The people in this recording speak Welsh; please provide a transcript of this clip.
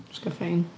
Jyst cael fine.